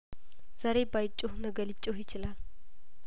ዛሬ ባይጮህ ነገ ሊጮህ ይችላል